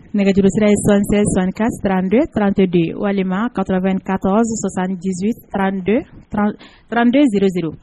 Nɛgɛjurusira ye 76 64 32 32 walima 94 78 32 30 32 00